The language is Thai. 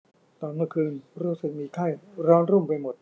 ตอนเมื่อคืนรู้สึกมีไข้ร้อนรุ่มไปหมด